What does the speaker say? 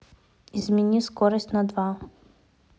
измени скорость на два